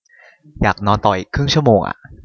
อยากนอนต่ออีกครึ่งชั่วโมงอะ